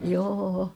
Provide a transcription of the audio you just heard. joo